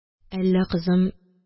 Әллә, кызым,